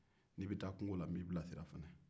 n'i be taa kungo la n b'i bilasira